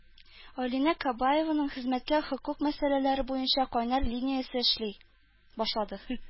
Алинә Кабаеваның хезмәткә хокук мәсьәләләре буенча кайнар линиясе эшли башлады